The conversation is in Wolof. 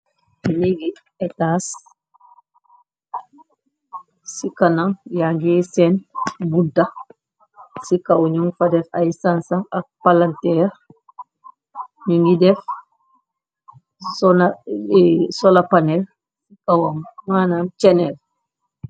Ningi etas ci kanam ya ngi seen budda ci kaw ñu fa def ay sansa ak palanteer ñu ngi def sola panel ci kawam manam cheneel.